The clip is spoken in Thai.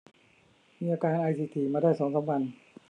มีอาการไอถี่ถี่มาได้สองสามวัน